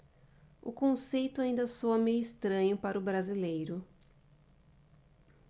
o conceito ainda soa meio estranho para o brasileiro